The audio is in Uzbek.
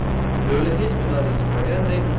lo'li hech nimani eshitmagandek